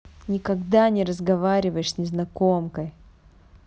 никогда не разговариваешь с незнакомкой